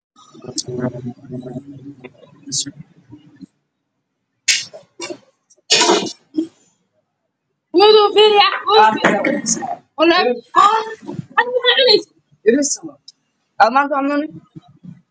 Waa gabdho waatan xijaabo jaalo buluug